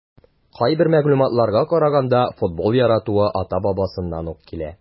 Кайбер мәгълүматларга караганда, футбол яратуы ата-бабасыннан ук килә.